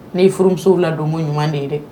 Ne ye furumusow ladonko ɲuman de ye dɛ